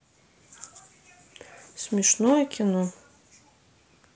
смешное кино